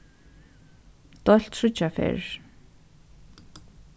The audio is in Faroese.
deilt tríggjar ferðir